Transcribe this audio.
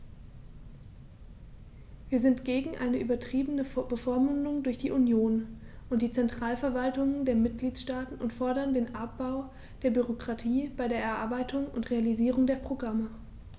Wir sind gegen eine übertriebene Bevormundung durch die Union und die Zentralverwaltungen der Mitgliedstaaten und fordern den Abbau der Bürokratie bei der Erarbeitung und Realisierung der Programme.